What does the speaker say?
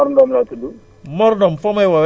Mor Ndom laa tudd